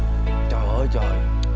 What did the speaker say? trời ơi trời